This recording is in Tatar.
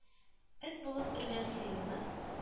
Эт булып өргән сыерны